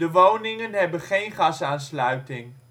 woningen hebben geen gasaansluiting